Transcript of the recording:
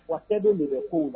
Wa kɛ don de bɛ de bɛ ko in na.